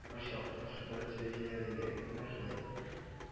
Ашъяулыкны шудырып төшереп җибәрергә кирәк! менә шулай! ә